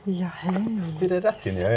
ja hei.